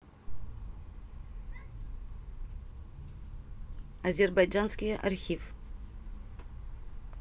азербайджанские архив